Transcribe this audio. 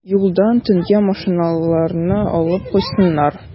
Юлдан төнгә машиналарны алып куйсыннар.